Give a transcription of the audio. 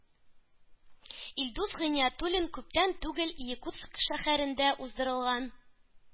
Илдус Гыйниятуллин күптән түгел Якутск шәһәрендә уздырылган